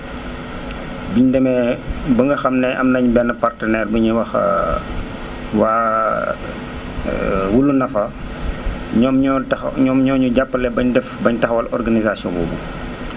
biñ demee ba nga xam ne am nañ benn partenaire bu ñuy wax waa Wulu Nafa ñoom ñoo taxa ñoom ñoo ñu jàppale ba ñu def ba ñu taxawal organisation boobu